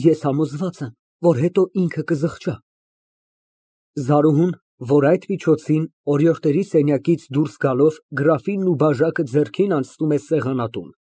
Ես համոզված եմ, որ հետո ինքը կզղջա։ (Զարուհուն, որ այդ միջոցին, օրիորդների սենյակից դուրս գալով, գրաֆինն ու բաժակը ձեռքին անցնում է սեղանատուն)։